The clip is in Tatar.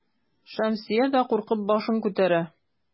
Шәмсия дә куркып башын күтәрә.